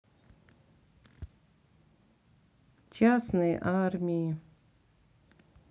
частные армии